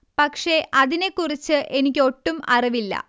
പക്ഷെ അതിനെ കുറിച്ച് എനിക്കൊട്ടും അറിവില്ല